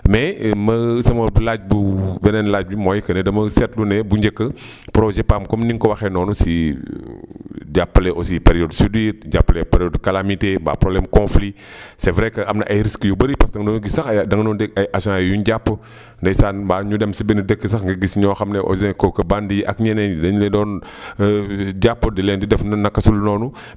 mais ma sama laaj bu beneen laaj bi mooy que ne dama seetlu ne bu njëkk projet PAM comme ni nga ko waxee noonu si jàppale aussi période * jàppale période calamité mbaa problème mu conflit c' est vrai que am na ay risques yu bëri parce que da nga doon gis sax ay da nga doon dégg ay agents yu ñu jàpp ndeysaan mbaa ñu dem si benn dëkk sax nga gis ñoo xam ne eaux et kooku bandits yi ak ñeneen éni dañu la doon jàpp di leen di def naka su dul noonu